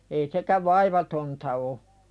ei sekään vaivatonta ole